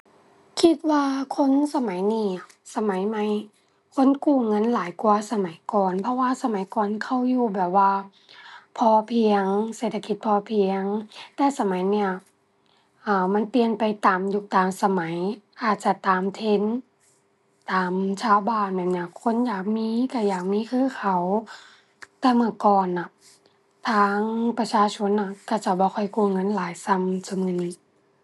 คิดว่าคนสมัยนี้ สมัยใหม่ คนกู้เงินหลายกว่าสมัยก่อน เพราะว่าสมัยก่อนเขาอยู่แบบว่าพอเพียง เศรษฐกิจพอเพียง แต่สมัยเนี้ย อ่า มันเปลี่ยนไปตามยุคตามสมัย อาจจะตามเทรนด์ ตามชาวบ้านแบบเนี้ย คนอยากมีก็อยากมีคือเขา แต่เมื่อก่อนน่ะ ทางประชาชนนะ ก็จะบ่ค่อยกู้เงินหลายส่ำซุมื้อนี้